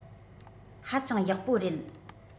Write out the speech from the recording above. ཧ ཅང ཡག པོ རེད